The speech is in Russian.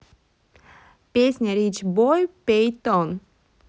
песня rich boy пейтон